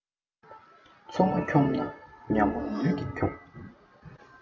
མཚོ མོ འཁྱོམས ན ཉ མོ ལས ཀྱིས འཁྱོམ